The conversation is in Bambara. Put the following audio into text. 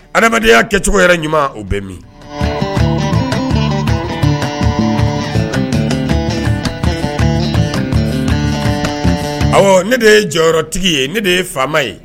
Adamadenyaya kɛcogo yɛrɛ ɲuman o bɛ min ne de ye jɔyɔrɔtigi ye ne de ye faama ye